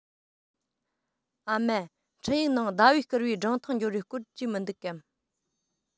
ཨ མ འཕྲིན ཡིག ནང ཟླ བས བསྐུར བའི སྒྲུང ཐུང འབྱོར བའི སྐོར བྲིས མི འདུག གམ